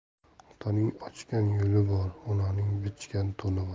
otaning ochgan yo'li bor onaning bichgan to'ni bor